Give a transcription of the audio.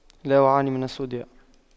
لا أعاني من الصداع